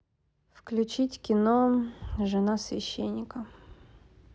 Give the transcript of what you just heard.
включить кино жена священника